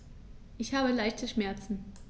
Ich habe leichte Schmerzen.